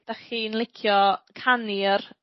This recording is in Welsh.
...'dach chi'n licio canu yr